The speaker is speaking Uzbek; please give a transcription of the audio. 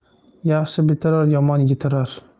yaxshi bitirar yomon yitirar